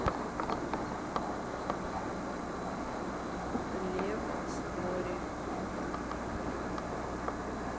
лав стори